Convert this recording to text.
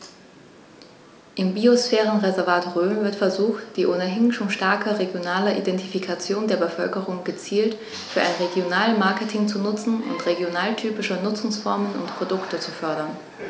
Im Biosphärenreservat Rhön wird versucht, die ohnehin schon starke regionale Identifikation der Bevölkerung gezielt für ein Regionalmarketing zu nutzen und regionaltypische Nutzungsformen und Produkte zu fördern.